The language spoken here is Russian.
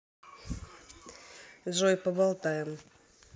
джой поболтаем